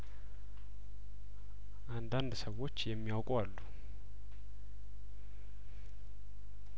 አንዳንድ ሰዎች የሚያውቁ አሉ